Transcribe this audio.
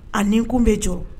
A ni kun bɛ jɔ